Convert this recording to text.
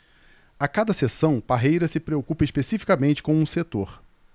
a cada sessão parreira se preocupa especificamente com um setor